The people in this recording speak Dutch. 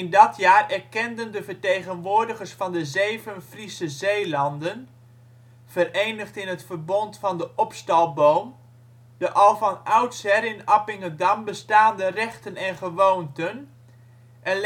dat jaar erkenden de vertegenwoordigers van de Zeven Friese Zeelanden, verenigd in het verbond van de Opstalboom, de al van oudsher in Appingedam bestaande rechten en gewoonten en